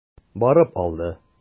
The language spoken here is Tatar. Барып алды.